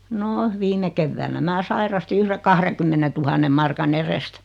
no viime keväänä minä sairastin yhden kahdenkymmenentuhannen markan edestä